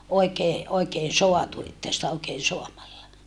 oikein oikein saatu että sitä oikein saamalla